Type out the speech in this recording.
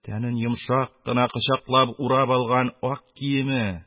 Тәнен йомшак кына кочаклап урап алган ак киеме...